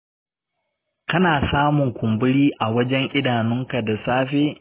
kana samun kumburi a wajen idanun ka da safe?